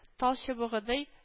Тал чыбыгыдый